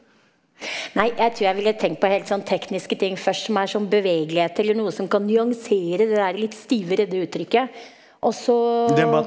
nei jeg tror jeg ville tenkt på helt sånn tekniske ting først som er sånn bevegelighet, eller noe som kan nyansere det derre litt stive, redde uttrykket også.